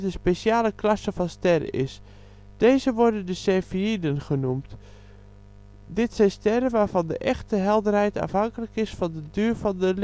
speciale klasse van sterren is. Deze worden de Cepheïden genoemd. Dit zijn sterren waarvan de echte helderheid afhankelijk is van de duur van de